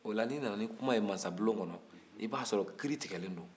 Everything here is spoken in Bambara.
o la n'i nana ni kuma ye mansabulon kɔnɔ i b'a sɔrɔ kiri tigɛlen don